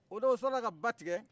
o don u sɔrɔla ka ba tigɛ